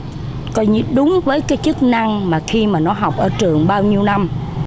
coi như đúng với cái chức năng mà khi mà nó học ở trường bao nhiêu năm